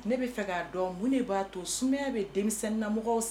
Ne b bɛ fɛ k'a dɔn mun ne b'a toya bɛ denmisɛnnin namɔgɔ